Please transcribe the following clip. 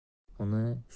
uni shu qadar